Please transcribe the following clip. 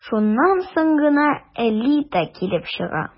Шуннан соң гына «элита» килеп чыга...